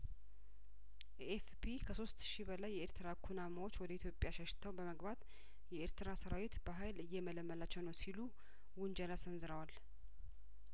ኤኤፍፒ ከሶስት ሺ በላይየኤርትራ ኩናማዎች ወደ ኢትዮጵያ ሸሽተው በመግባት የኤርትራ ሰራዊት በሀይል እየመለመላቸው ነው ሲሉ ውንጀላ ሰንዝረዋል